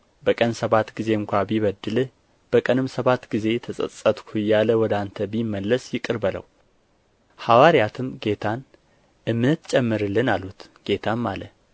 በቀንም ሰባት ጊዜ እንኳ ቢበድልህ በቀንም ሰባት ጊዜ ተጸጸትሁ እያለ ወደ አንተ ቢመለስ ይቅር በለው ሐዋርያትም ጌታን እምነት ጨምርልን አሉት ጌታም አለ